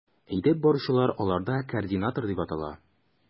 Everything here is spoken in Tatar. Әйдәп баручылар аларда координатор дип атала.